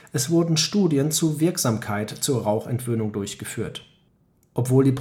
Es wurden Studien zur Wirksamkeit zur Raucherentwöhnung durchgeführt. Obwohl